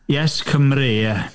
Yes Cymru ie.